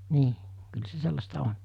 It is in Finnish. niin kyllä se sellaista on